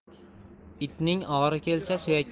itning ori kelsa